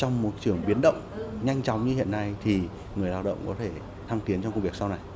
trong một trường biến động nhanh chóng như hiện nay thì người lao động có thể thăng tiến trong công việc sau này